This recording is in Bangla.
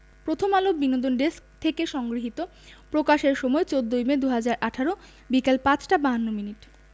প্রথমআলোর বিনোদন ডেস্ক থেকে সংগ্রহীত প্রকাশের সময় ১৪মে ২০১৮ বিকেল ৫টা ৫২ মিনিট